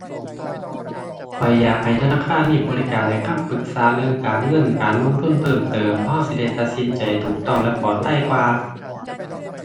ข้อยอยากให้ธนาคารมีบริการให้คำปรึกษาเรื่องการเงินการลงทุนเพิ่มเติม เพราะเราสิได้ตัดสินใจถูกต้องและปลอดภัยกว่า